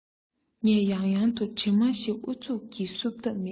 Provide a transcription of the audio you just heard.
ངས ཡང ཡང དུ གྲིབ མ ཞིག ཨུ ཚུགས ཀྱིས བསུབ ཐབས བྱེད